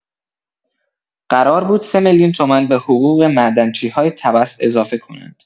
قرار بود سه میلیون تومن به حقوق معدنچی‌های طبس اضافه کنند!